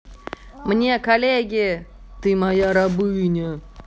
мне коллегия ты моя рабыня